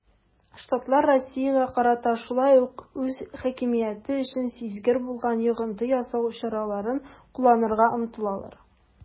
Штатлар Россиягә карата шулай ук үз хакимияте өчен сизгер булган йогынты ясау чараларын кулланырга омтылалар.